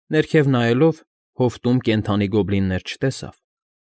Ներքև նայելով՝ հովտում կենդանի գոբլիններ չտեսավ։